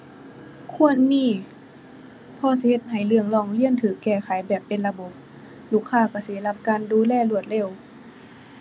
ควรมี เพราะสิเฮ็ดให้เรื่องร้องเรียนถูกแก้ไขแบบเป็นระบบ ลูกค้าถูกสิได้รับการดูแลรวดเร็ว